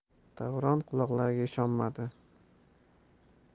davron quloqlariga ishonmadi